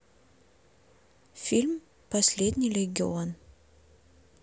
фильм последний легион